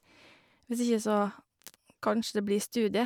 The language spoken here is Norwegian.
Hvis ikke så kanskje det blir studier.